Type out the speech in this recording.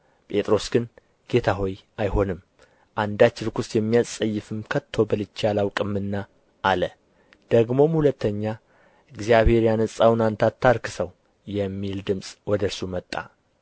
ጴጥሮስ ግን ጌታ ሆይ አይሆንም አንዳች ርኵስ የሚያስጸይፍም ከቶ በልቼ አላውቅምና አለ ደግሞም ሁለተኛ እግዚአብሔር ያነጻውን አንተ አታርክሰው የሚል ድምፅ ወደ እርሱ መጣ